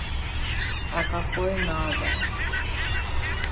а какой надо